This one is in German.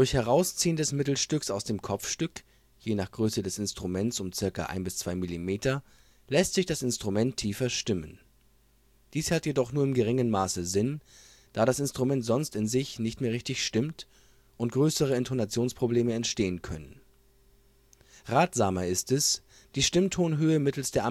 Herausziehen des Mittelstücks aus dem Kopfstück, je nach Größe des Instruments um ca. 1 - 2 mm, lässt sich das Instrument tiefer stimmen. Dies hat jedoch nur in geringem Maße Sinn, da das Instrument sonst in sich nicht mehr richtig stimmt und größere Intonationsprobleme entstehen können. Ratsamer ist es, die Stimmtonhöhe mittels der